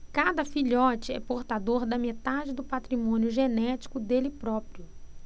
cada filhote é portador da metade do patrimônio genético dele próprio